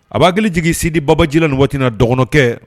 A b'a hakili jigin Sidi Babaji la, ni waati in na dɔgɔnɔkɛ